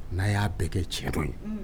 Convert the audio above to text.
Nan ya bɛɛ kɛ cɛ dɔ ye Unhun